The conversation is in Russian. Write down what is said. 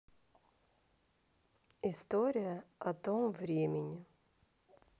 история о том времени